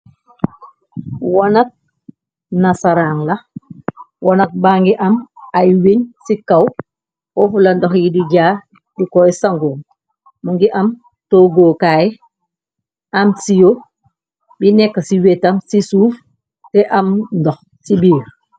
Wonak nasarang la wonak ba ngi am ay wiñ ci kaw fofula ndox yi di jaar di koy sangom mu ngi am toggookaay am siyo bi nekk ci wétam ci suuf te am ndox ci biir.